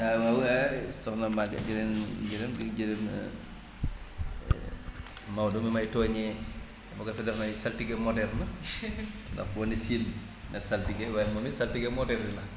oui soxna Maguette di leen gërëm di leen Maodo mi may tooñee mooy saltige moderne ndax boo ne Sine ne saltige waaye mu ni saltige moderne la